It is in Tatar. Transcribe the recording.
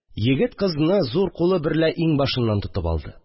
Егет кызны зур кулы берлә иңбашыннан тотып алды